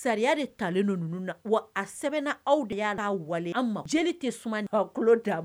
Sariya de talen ninnu ninnu na wa a sɛbɛnna aw de y'a la wale an ma jeli tɛ sumaman da